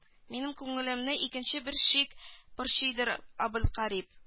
Минем күңелемне икенче бер шик борчыйдыр абелкарип